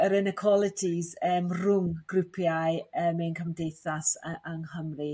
yr inequalities eem rwng grwpiau em ein cymdeithas yng Nghymru